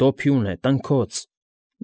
Դոփյուն է։ Տնքոց։